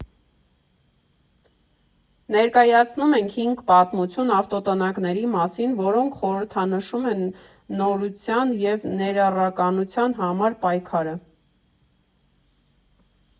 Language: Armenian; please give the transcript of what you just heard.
Ներկայացնում ենք հինգ պատմություն ավտոտնակների մասին, որոնք խորհրդանշում են նորության և ներառականության համար պայքարը։